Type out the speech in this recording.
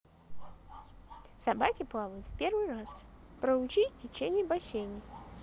собаки плавают в первый раз проучить в течении в бассейне